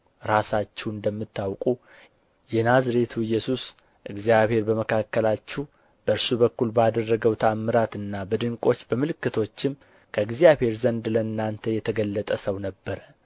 ራሳችሁ እንደምታውቁ የናዝሬቱ ኢየሱስ እግዚአብሔር በመካከላችሁ በእርሱ በኩል ባደረገው ተአምራትና በድንቆች በምልክቶችም ከእግዚአብሔር ዘንድ ለእናንተ የተገለጠ ሰው ነበረ